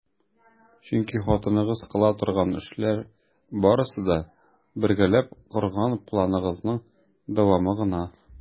Чөнки хатыныгыз кыла торган эшләр барысы да - бергәләп корган планыгызның дәвамы гына!